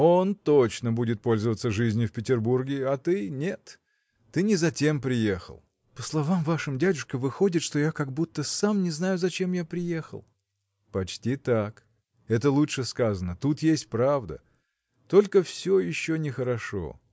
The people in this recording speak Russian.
Он точно будет пользоваться жизнию в Петербурге, а ты – нет! ты не за тем приехал. – По словам вашим дядюшка выходит что я как будто сам не знаю зачем я приехал. – Почти так это лучше сказано: тут есть правда только все еще нехорошо.